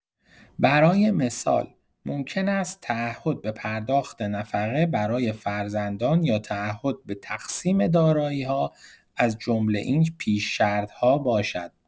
برای مثال، ممکن است تعهد به پرداخت نفقه برای فرزندان یا تعهد به تقسیم دارایی‌ها از جمله این پیش شرط‌ها باشد.